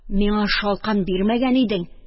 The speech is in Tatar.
Миңа шалкан бирмәгән идең.